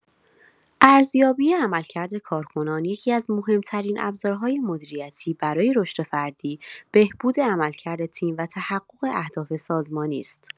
ارزیابی عملکرد کارکنان یکی‌از مهم‌ترین ابزارهای مدیریتی برای رشد فردی، بهبود عملکرد تیم و تحقق اهداف سازمانی است.